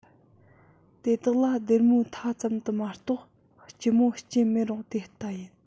དེ དག ལ སྡེར མོའི མཐའ ཙམ དུ མ གཏོགས སྐྱི མོ སྐྱེས མེད རུང དེ ལྟ ཡིན